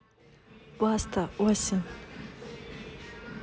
баста осень